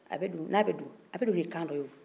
n'a bɛ don a bɛ don ni kan dɔ ye o